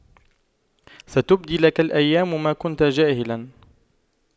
ستبدي لك الأيام ما كنت جاهلا